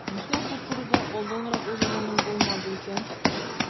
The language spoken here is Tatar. Нишләп бу турыда алданрак уйлаганым булмады икән?